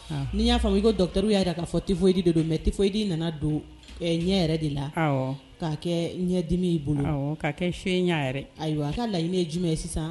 N'i y'a fɔ i ko dɔ dɔgɔtɔrɔ y'a jira k'a fɔ tɛ foyidi de don mɛ tɛ fɔdi nana don ɲɛ yɛrɛ de la k'a kɛ ɲɛdimi' bolo'a kɛ ayiwa a k'a layiɲiniinɛ ye jumɛn ye sisan